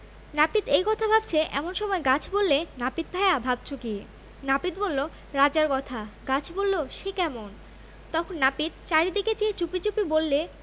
নাপিত এই কথা ভাবছে এমন সময় গাছ বললে নাপিত ভায়া ভাবছ কী নাপিত বলল রাজার কথা গাছ বলল সে কমন তখন নাপিত চারিদিকে চেয়ে চুপিচুপি বললে